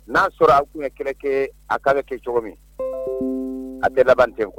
N'a'a sɔrɔ a tunɲɛ kɛlɛ kɛ a k' bɛ kɛ cogo min a bɛ labanban tɛ kuwa